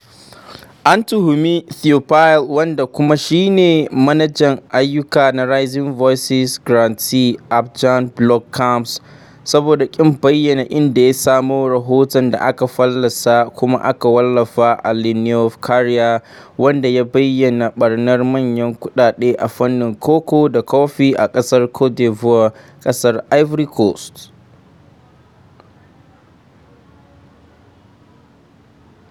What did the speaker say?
An tuhumi Théophile, wanda kuma shi ne manajan ayyuka na Rising Voices grantee Abidjan Blog Camps, saboda ƙin bayyana inda ya samo rahoton da aka fallasa kuma aka wallafa a Le Nouveau Courrier, wanda ya bayyana ɓarnar manyan kuɗaɗe a fannin cocoa da coffee na ƙasar Côte d'Ivoire (ƙasar Ivory Coast).